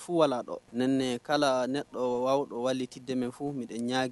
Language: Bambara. N kala wali tɛ dɛmɛ foyi